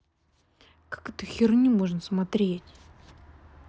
как эту херню можно смотреть